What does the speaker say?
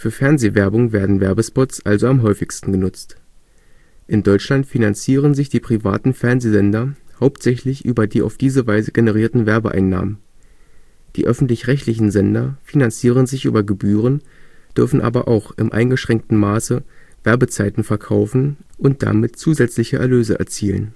Fernsehwerbung werden Werbespots also am häufigsten genutzt. In Deutschland finanzieren sich die privaten Fernsehsender hauptsächlich über die auf diese Weise generierten Werbeeinnahmen. Die öffentlich-rechtlichen Sender finanzieren sich über Gebühren, dürfen aber auch im eingeschränkten Maße Werbezeiten verkaufen und damit zusätzliche Erlöse erzielen